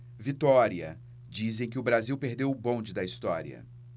vitória dizem que o brasil perdeu o bonde da história